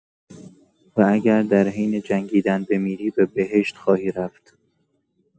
و اگر در حین جنگیدن بمیری به بهشت خواهی رفت!